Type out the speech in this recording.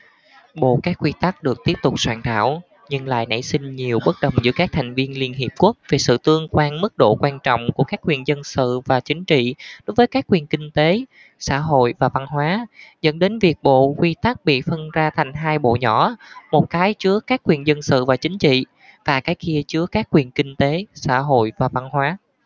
bộ các quy tắc được tiếp tục soạn thảo nhưng lại nảy sinh nhiều bất đồng giữa các thành viên liên hiệp quốc về sự tương quan mức độ quan trọng của các quyền dân sự và chính trị đối với các quyền kinh tế xã hội và văn hóa dẫn đến việc bộ quy tắc bị phân ra thành hai bộ nhỏ một cái chứa các quyền dân sự và chính trị và cái kia chứa các quyền kinh tế xã hội và văn hóa